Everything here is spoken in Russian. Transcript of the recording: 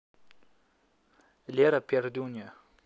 лера пердунья